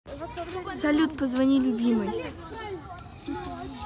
салют позвони любимой